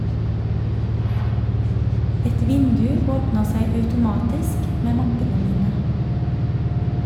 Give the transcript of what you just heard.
Et vindu åpner seg automatisk med mappene mine.